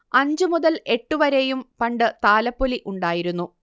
അഞ്ച് മുതൽ എട്ട് വരെയും പണ്ട് താലപ്പൊലി ഉണ്ടായിരുന്നു